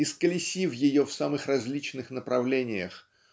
исколесив ее в самых различных направлениях